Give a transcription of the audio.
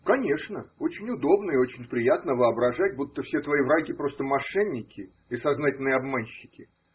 Конечно, очень удобно и очень приятно воображать, будто все твои враги просто мошенники и сознательные обманщики